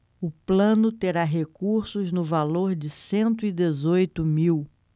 o plano terá recursos no valor de cento e dezoito mil